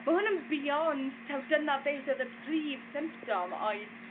ma' hwn yn beyond taw dyna beth oedd y prif symptom oedd